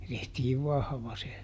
se tehtiin vahva se